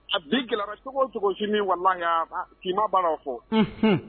A bi gɛlɛyara cogo o cogo sini walahi fɔ